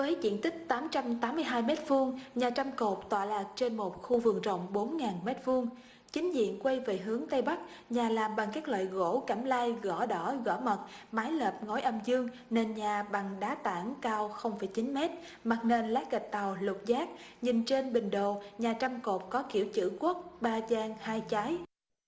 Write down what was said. với diện tích tám trăm tám mươi hai mét vuông nhà trăm cột tọa lạc trên một khu vườn rộng bốn ngàn mét vuông chính diện quay về hướng tây bắc nhà làm bằng các loại gỗ cẩm lai gõ đỏ gõ mật mái lợp ngói âm dương nền nhà bằng đá tảng cao không phẩy chín mét mặt nền lát gạch tàu lục giác nhìn trên bình đồ nhà trăm cột có kiểu chữ quốc ba gian hai chái